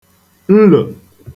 nlò